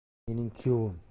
u mening kuyovim